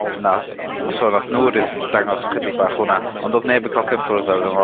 na- ma sôn nath nw rydd- dangos chydig bach o wnna, ond dodd neb yn ca'l cyffwrdd arno fo